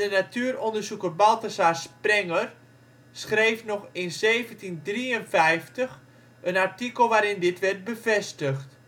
natuuronderzoeker Balthasar Sprenger schreef nog in 1753 een artikel waarin dit werd bevestigd